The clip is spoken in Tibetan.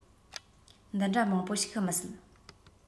འདི འདྲ མང པོ ཞིག ཤི མི སྲིད